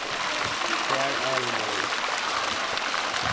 far áðrenn orð